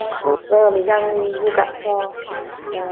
bây giờ mình đang vô cảm